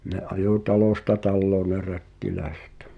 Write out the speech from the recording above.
ne ajoi talosta taloon ne rättiläiset